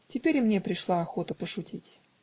теперь и мне пришла охота пошутить.